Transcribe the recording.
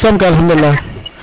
jam som kay alkhadoulilah